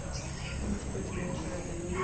ну и что тебе мешает этому